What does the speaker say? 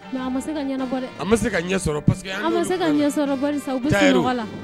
Ma se ka ma se ka ɲɛ se ka ɲɛ la